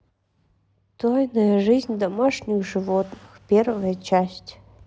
тайная жизнь домашних животных первая часть